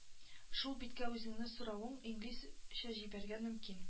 Шул биткә үзеңнең соравың инглизчә җибәргә мөмкин